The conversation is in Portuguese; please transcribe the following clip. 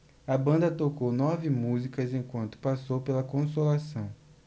a banda tocou nove músicas enquanto passou pela consolação